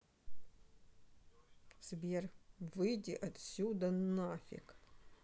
сбер выйди отсюда нафиг